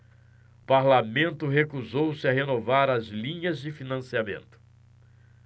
o parlamento recusou-se a renovar as linhas de financiamento